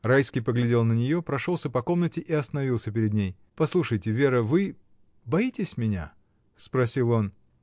Райский поглядел на нее, прошелся по комнате и остановился перед ней. — Послушайте, Вера, вы. боитесь меня? — спросил он.